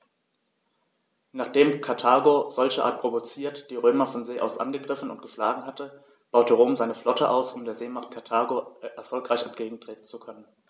Nachdem Karthago, solcherart provoziert, die Römer von See aus angegriffen und geschlagen hatte, baute Rom seine Flotte aus, um der Seemacht Karthago erfolgreich entgegentreten zu können.